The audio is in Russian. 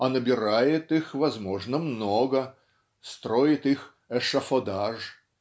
а набирает их возможно много строит их эшафодаж